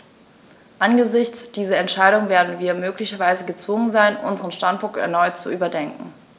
Angesichts dieser Entscheidung werden wir möglicherweise gezwungen sein, unseren Standpunkt erneut zu überdenken.